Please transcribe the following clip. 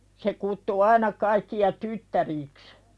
se kutsui aina kaikkia tyttäriksi